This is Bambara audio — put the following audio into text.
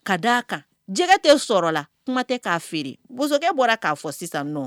Ka d a kan jɛgɛ tɛ sɔrɔ la kuma tɛ k'a feere bokɛ bɔra k'a fɔ sisan nɔ